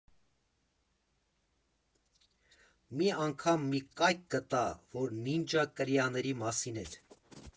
Մի անգամ մի կայք գտա, որ Նինջա կրիաների մասին էր։